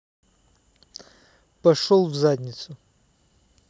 пошел в задницу